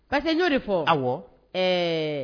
Prce que n y'o de fɔ, awɔ, ɛɛ